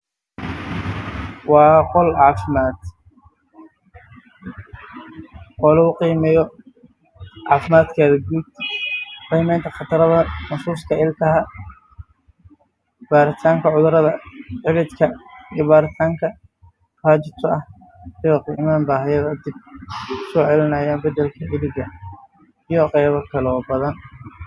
Waa qoraalo la laga shaqeyay oo la saxay